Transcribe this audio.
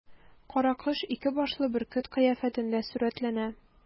Каракош ике башлы бөркет кыяфәтендә сурәтләнә.